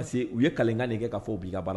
Parce que u ye kalikan dee kɛ k'a fɔ u b'i ka baara